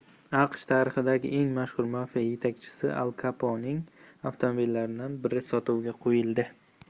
aqsh tarixidagi eng mashhur mafiya yetakchisi al kaponening avtomobillaridan biri sotuvga qo'yildi